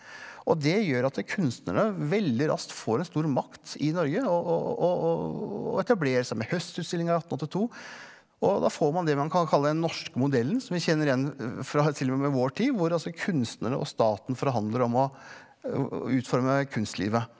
og det gjør at kunstnerne veldig raskt får en stor makt i Norge og og og og og etablerer seg med høstutstillinga i 1882 og da får man det man kan kalle den norske modellen som vi kjenner igjen fra t.o.m. vår tid hvor altså kunstnerne og staten forhandler om å utforme kunstlivet.